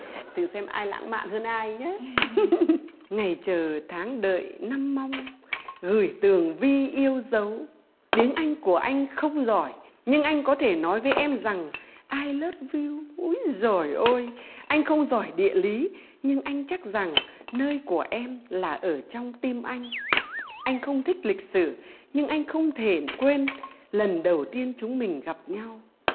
thử xem ai lãng mạn hơn ai nhá ngày chờ tháng đợi năm mong gửi tường vy yêu dấu tiếng anh của anh không giỏi nhưng anh có thể nói với em rằng ai lớp du úi dồi ôi anh không giỏi địa lý nhưng anh chắc rằng nơi của em là ở trong tim anh anh không thích lịch sử nhưng anh không thể quên lần đầu tiên chúng mình gặp nhau